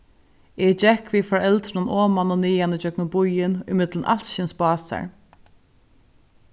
eg gekk við foreldrunum oman og niðan ígjøgnum býin ímillum alskyns básar